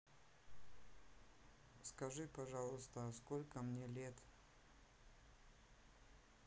скажи пожалуйста а сколько мне лет